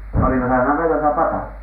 oliko siellä navetassa pata